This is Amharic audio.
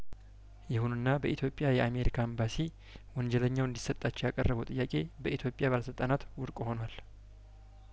ይሁንና በኢትዮጵያ የአሜሪካ ኤምባሲ ወንጀለኛው እንዲ ሰጣቸው ያቀረበው ጥያቄ በኢትዮጵያ ባለስልጣናት ውድቅ ሆኗል